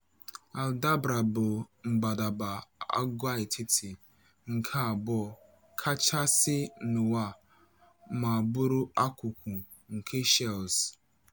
Aldabra bụ mbadaba agwaetiti nke abụọ kachasị n'ụwa ma bụrụ akụkụ nke Seychelles.